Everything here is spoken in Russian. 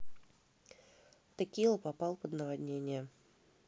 текила попал под наводнение